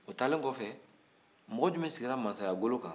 u taalen kɔfɛ mɔgɔ jumɛn sigira masayagolo kan